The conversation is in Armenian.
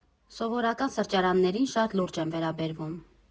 Սովորական սրճարաններին շատ լուրջ եմ վերաբերվում։